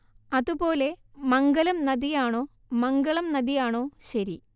അതുപോലെ മംഗലം നദി ആണോ മംഗളം നദി ആണോ ശരി